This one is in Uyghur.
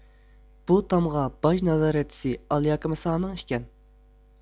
بۇ تامغا باج نازارەتچىسى ئالياكېمماسانىڭ ئىكەن